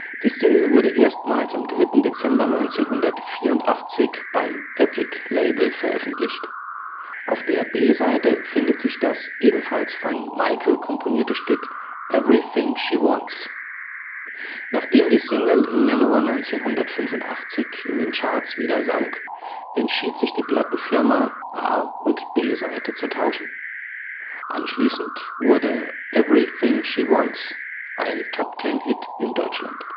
Die Single wurde erstmals am 3. Dezember 1984 beim Epic-Label veröffentlicht. Auf der B-Seite findet sich das ebenfalls von Michael komponierte Stück Everything She Wants. Nachdem die Single im Januar 1985 in den Charts wieder sank, entschied sich die Plattenfirma, A - und B-Seite zu tauschen. Anschließend wurde Everything She Wants ein Top-10-Hit (Platz acht) in Deutschland